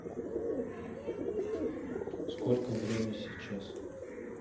сколько время сейчас